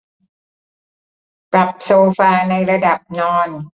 ปรับโซฟาในระดับนอน